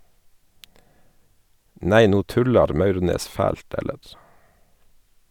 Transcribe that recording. Nei no tullar Maurnes fælt, eller?